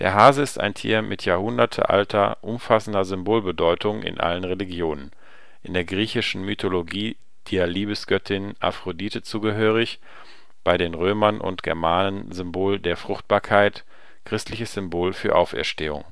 Hase ist ein Tier mit jahrhundertealter, umfassender Symbolbedeutung in allen Religionen: In der griechischen Mythologie der Liebesgöttin Aphrodite zugehörig, bei den Römern und Germanen Symbol der Fruchtbarkeit, christliches Symbol für Auferstehung